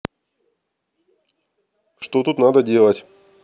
что тут надо делать